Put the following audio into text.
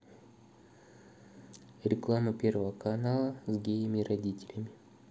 реклама первого канала с геями родителями